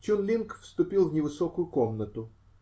Чун-Линг вступил в невысокую комнату.